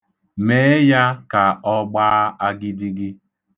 Mee ya ka ọ gbaa agidigi.